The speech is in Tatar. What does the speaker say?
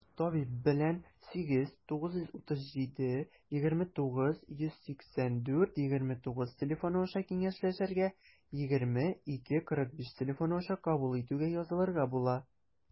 Табиб белән 89372918429 телефоны аша киңәшләшергә, 20-2-45 телефоны аша кабул итүгә язылырга була.